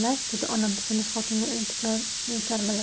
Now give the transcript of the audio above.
o'rgilay dedi onam semiz xotinga iltijoli termilib